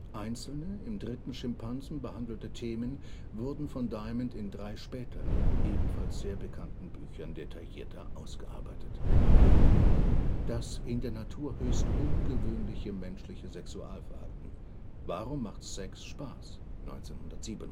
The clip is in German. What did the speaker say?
Einzelne im „ Dritten Schimpansen “behandelte Themen wurden von Diamond in drei späteren, ebenfalls sehr bekannten Büchern detaillierter ausgearbeitet: Das in der Natur höchst ungewöhnliche menschliche Sexualverhalten (Warum macht Sex Spaß?, 1997). Die